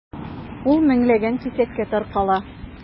Ул меңләгән кисәккә таркала.